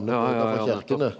ja ja ja nettopp.